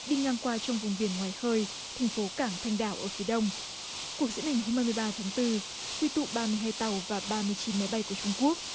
đi ngang qua trong vùng biển ngoài khơi thành phố cảng thanh đảo ở phía đông cuộc diễn hành hôm hai mươi ba tháng tư quy tụ ba mươi hai tàu và ba mươi chín máy bay của trung quốc